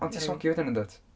Ond ti'n soggy wedyn yn dwyt?